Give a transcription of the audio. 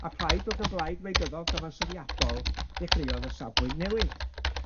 a plaid o'dd yn blaid wleidyddol gyfansoddiadol, dechreuodd y safbwynt newid.